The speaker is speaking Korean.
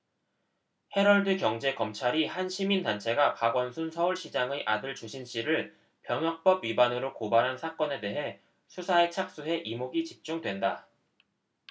헤럴드경제 검찰이 한 시민단체가 박원순 서울시장의 아들 주신 씨를 병역법 위반으로 고발한 사건에 대해 수사에 착수해 이목이 집중된다